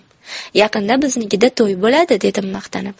yaqinda biznikida to'y bo'ladi dedim maqtanib